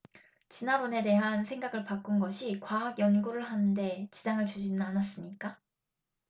진화론에 대한 생각을 바꾼 것이 과학 연구를 하는 데 지장을 주지는 않았습니까